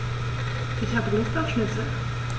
Ich habe Lust auf Schnitzel.